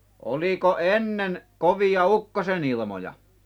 oliko ennen kovia ukkosenilmoja